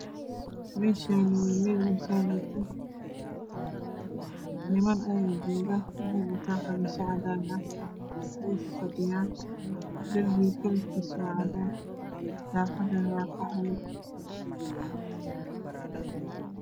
Meeshaan waa meel masaajid ah waxaa joogo niman oo wato qamiisyo cadaan ah wayna fadhiyaan. Darbiguna waa cadeys daaqaduna waa qaxwi.